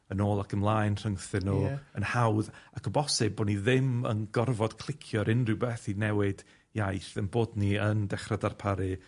yn ôl ac ymlaen, rhyngthyn nw... Ie. ...yn hawdd, ac o bosib bo' ni ddim yn gorfod clicio ar unryw beth i newid iaith, 'yn bod ni yn dechra darparu